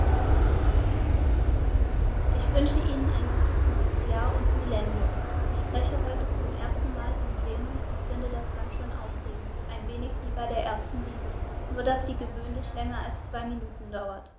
Ich wünsche Ihnen ein gutes neues Jahr und Millennium. Ich spreche heute zum ersten Mal im Plenum und finde das ganz schön aufregend, ein wenig wie bei der ersten Liebe, nur dass die gewöhnlich länger als zwei Minuten dauert.